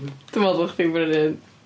Dwi'n meddwl ddylia chdi brynu un.